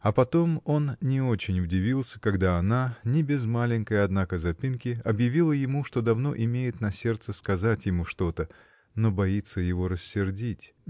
А потому он не очень удивился, когда она, не без маленькой, однако, запинки, объявила ему, что давно имеет на сердце сказать ему что-то, но боится его рассердить.